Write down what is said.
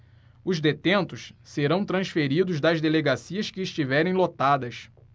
os detentos serão transferidos das delegacias que estiverem lotadas